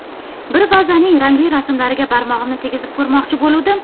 bir vazaning rangli rasmlariga barmog'imni tegizib ko'rmoqchi bo'luvdim